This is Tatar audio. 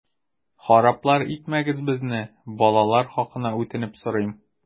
Хараплар итмәгез безне, балалар хакына үтенеп сорыйм!